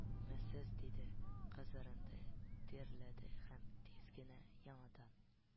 Месез» диде, кызарынды, тирләде һәм тиз генә яңадан